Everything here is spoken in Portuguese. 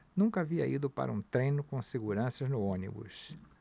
nunca havia ido para um treino com seguranças no ônibus